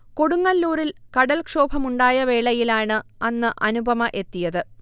കൊടുങ്ങല്ലൂരിൽ കടൽക്ഷോഭമുണ്ടായ വേളയിലാണ് അന്ന് അനുപമ എത്തിയത്